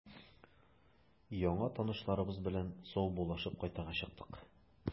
Яңа танышларыбыз белән саубуллашып, кайтырга чыктык.